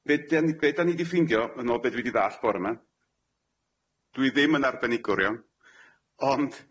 Be' dan ni be' dan ni di ffeindio yn ôl be' dwi di ddall' bore ma', dwi ddim yn arbenigwr iawn ond